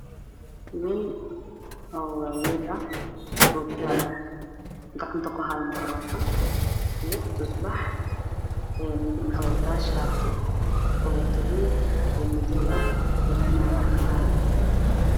Nin oo waayeel ah ookiyaalo wato gacanta ku haysto makaroofan iyo tusbax wuxuu wataa shaati tolniin madoow ah iyo funaanad cadaan ah